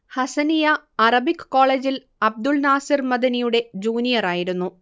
Hasaniya Arabic കോളേജിൽ അബ്ദുന്നാസിർ മദനിയുടെ ജൂനിയറായിരുന്നു